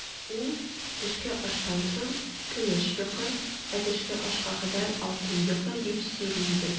Ул, төшке аштан соң көмеш йокы, ә төшке ашка кадәр алтын йокы, дип сөйли иде.